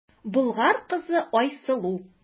Болгар кызы Айсылу.